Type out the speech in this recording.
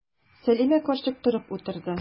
Сәлимә карчык торып утырды.